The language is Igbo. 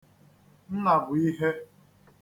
-Nnàbụ̀ihe